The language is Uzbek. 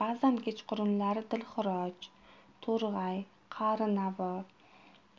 bazan kechqurunlari dilxiroj to'rg'ay qari navo